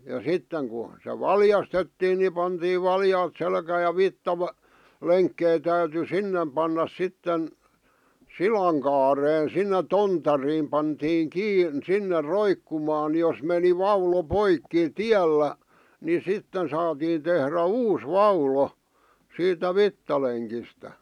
ja sitten kun se valjastettiin niin pantiin valjaat selkään ja - lenkkejä täytyi sinne panna sitten silan kaareen sinne tontariin pantiin kiinni sinne roikkumaan jos meni vaulo poikki tiellä niin sitten saatiin tehdä uusi vaulo siitä vitsalenkistä